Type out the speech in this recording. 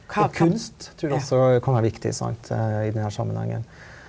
kunst trur jeg også kan være viktig sant i den her sammenhengen.